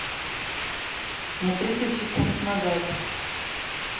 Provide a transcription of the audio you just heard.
на тридцать секунд назад